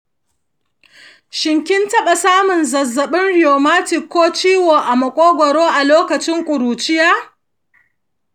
shin, kin taɓa samun zazzaɓin rheumatic ko ciwo a makogwaro a lokacin ƙuruciya?